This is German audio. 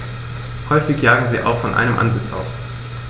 Häufig jagen sie auch von einem Ansitz aus.